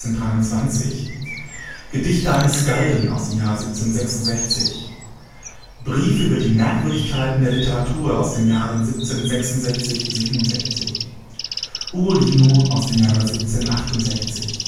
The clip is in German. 1823) Gedichte eines Skalden 1766 Briefe über Merkwürdigkeiten der Literatur 1766 / 67 Ugolino 1768